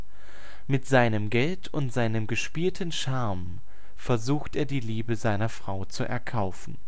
seinem Geld und seinem gespielten Charme versucht er, die Liebe seiner Frau zu erkaufen